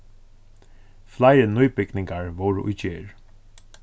fleiri nýbygningar vóru í gerð